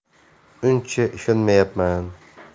uncha ishonmayapman